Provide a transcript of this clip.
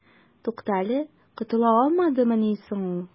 Туктале, котыла алдымыни соң ул?